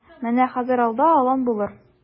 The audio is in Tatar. Менә хәзер алда алан булыр.